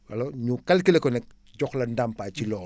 alors ñu calculer ko nag jox la dàmpaay ci loolu